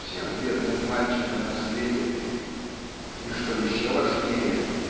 ко всем бедным мальчикам на свете. И что еще важнее